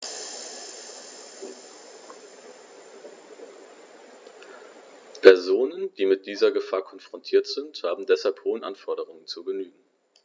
Personen, die mit dieser Gefahr konfrontiert sind, haben deshalb hohen Anforderungen zu genügen.